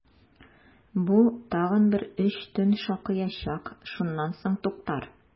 Бу тагын бер өч төн шакыячак, шуннан соң туктар!